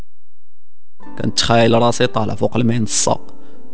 كنت خاله راسي طالع فوق المهندس